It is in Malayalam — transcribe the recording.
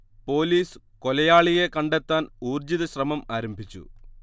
പോലീസ് കൊലയാളിയെ കണ്ടെത്താൻ ഊർജ്ജിത ശ്രമം ആരംഭിച്ചു